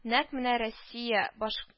Нәкъ менә россия баш